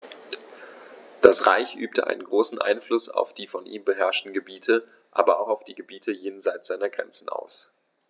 Das Reich übte einen großen Einfluss auf die von ihm beherrschten Gebiete, aber auch auf die Gebiete jenseits seiner Grenzen aus.